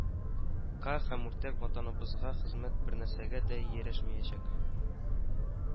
Ка һәм уртак ватаныбызга хезмәт бернәрсәгә дә ирешмәячәк